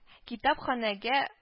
Китапханәгә